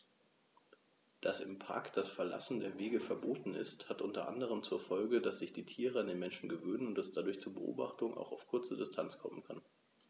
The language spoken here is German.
Dass im Park das Verlassen der Wege verboten ist, hat unter anderem zur Folge, dass sich die Tiere an die Menschen gewöhnen und es dadurch zu Beobachtungen auch auf kurze Distanz kommen kann.